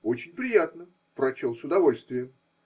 Очень приятно, прочел с удовольствием.